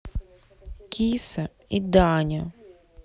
киса и даня